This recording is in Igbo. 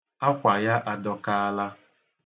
Akwa ya adọkaala.